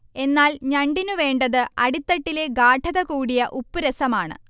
എന്നാൽ ഞണ്ടിനു വേണ്ടത് അടിത്തട്ടിലെ ഗാഢത കൂടിയ ഉപ്പുരസമാണ്